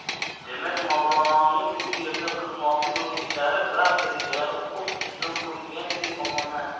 demak mavlononing bu yerda qilmoqchi bo'lgan ishlari barcha rejalari qum ustiga qurilganday omonat